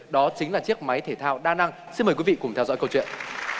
đó chính là chiếc máy thể thao đa năng xin mời quý vị cùng theo dõi câu chuyện